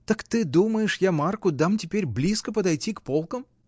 — Так ты думаешь, я Марку дам теперь близко подойти к полкам?